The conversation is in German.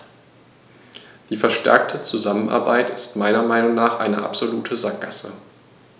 Die verstärkte Zusammenarbeit ist meiner Meinung nach eine absolute Sackgasse.